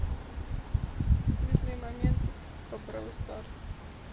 смешные моменты по бравостарс